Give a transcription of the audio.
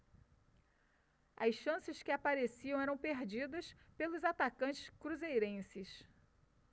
as chances que apareciam eram perdidas pelos atacantes cruzeirenses